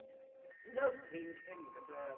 Un diwethaf... No! ...Yr un cyn gyda...